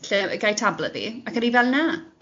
lle gai tablet fi, ac o'n i fel na.